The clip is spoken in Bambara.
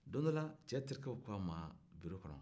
don dɔ la cɛ teriw k'o ma biro kɔnɔ